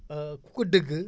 ku ko dégg